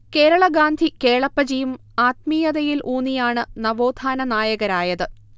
കേരള ഗാന്ധി കേളപ്പജിയും ആത്മീയതയിൽ ഊന്നിയാണ് നവോത്ഥാന നായകരായത്